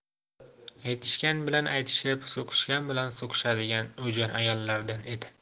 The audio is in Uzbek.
aytishgan bilan aytishib so'kishgan bilan so'kishadigan o'jar ayollardan edi